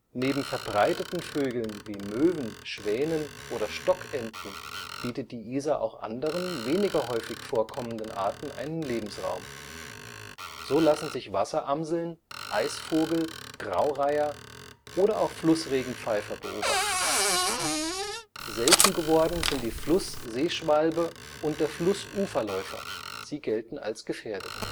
Neben verbreiteten Vögeln wie Möwen, Schwänen oder Stockenten bietet die Isar auch anderen, weniger häufig vorkommenden Arten einen Lebensraum. So lassen sich Wasseramseln, Eisvogel, Graureiher oder auch Flussregenpfeifer beobachten. Selten geworden sind die Fluss-Seeschwalbe und der Flussuferläufer; sie gelten als gefährdet